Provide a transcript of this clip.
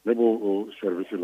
Ne b'o o service la